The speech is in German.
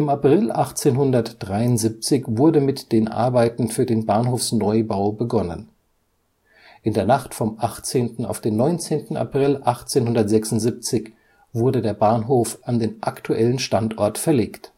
April 1873 wurde mit den Arbeiten für den Bahnhofsneubau begonnen. In der Nacht vom 18. auf den 19. April 1876 wurde der Bahnhof an den aktuellen Standort verlegt